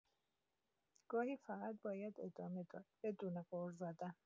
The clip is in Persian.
گاهی فقط باید ادامه داد بدون غر زدن